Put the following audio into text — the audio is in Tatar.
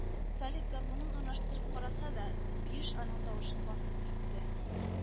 Салих гармунын уйнаштырып караса да, Биюш аның тавышын басып китте